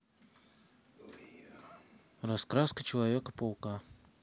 раскраска человека паука